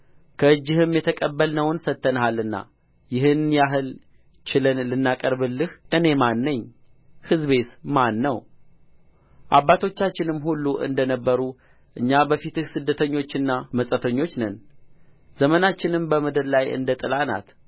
ከእጅህም የተቀበልነውን ሰጥተንሃልና ይህን ያህል ችለን ልናቀርብልህ እኔ ማን ነኝ ሕዝቤስ ማን ነው አባቶቻችንም ሁሉ እንደነበሩ እኛ በፊትህ ስደተኞችና መጻተኞች ነን ዘመናችንም በምድር ላይ እንደ ጥላ ናት